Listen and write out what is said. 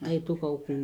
Aw ye to aw kun